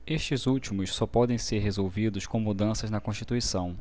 estes últimos só podem ser resolvidos com mudanças na constituição